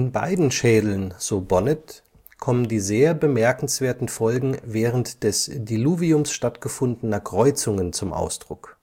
beiden Schädeln, “so Bonnet, „ kommen die sehr bemerkenswerten Folgen während des Diluviums stattgefundener Kreuzungen zum Ausdruck